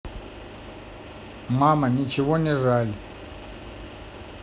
мама ничего не жаль